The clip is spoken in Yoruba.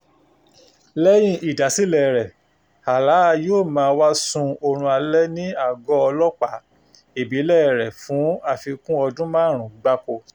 Lẹ́yìn ìdásílẹ̀ẹ rẹ̀, Alaa yóò máa wá sun oorun alẹ́ ní àgọ́ ọlọ́pàá ìbílẹ̀ẹ rẹ̀ fún àfikún ọdún márùn-ún gbáko.